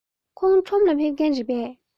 ཁོང ཁྲོམ ལ ཕེབས མཁན རེད པས